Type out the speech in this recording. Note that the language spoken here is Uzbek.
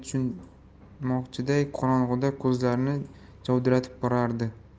tushunmoqchiday qorong'ida ko'zlarini javdiratib borardi